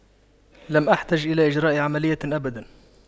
لم أحتج إلى إجراء عملية أبدا